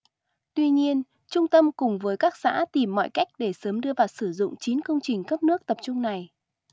tuy nhiên trung tâm cùng với các xã tìm mọi cách để sớm đưa vào sử dụng chín công trình cấp nước tập trung này